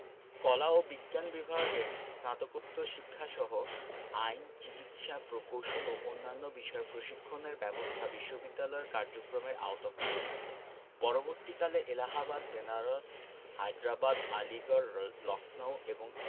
কলা ও বিজ্ঞান বিভাগের স্নাতকোত্তর শিক্ষাসহ আইন চিকিৎসা প্রকৌশল ও অন্যান্য বিষয়ে প্রশিক্ষণের ব্যবস্থা বিশ্ববিদ্যালয়ের কার্যক্রমের আওতাভুক্ত থাকবে পরবর্তীকালে এলাহাবাদ বেনারস হায়দ্রাবাদ আলীগড় লক্ষ্ণৌ এবং